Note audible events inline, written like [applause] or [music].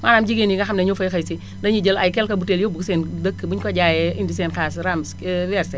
maanaam jigéen ñi nga xam ne ñoo fay xëy si dañuy jël ay quelque butéel yóbbu ko seen dëkk buñu ko jaayee indi seen xaalis rembour [unintelligible] [hesitation] versé